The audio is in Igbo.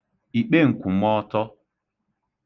ìkpeǹkwụ̀mọọtọ